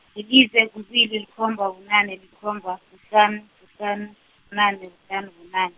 yilize, kubili, likhomba, bunane, likhomba, kuhlanu, kuhlanu, bunane, kuhlanu, bunane.